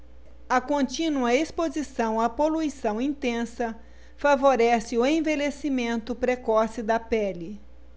a contínua exposição à poluição intensa favorece o envelhecimento precoce da pele